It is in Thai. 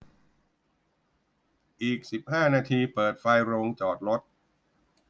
อีกสิบห้านาทีเปิดไฟโรงจอดรถ